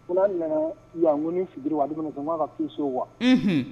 U nana yan ko fili wadu kɔnɔ fɛ m'a ka kiso wa